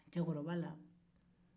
cɛkɔrɔba la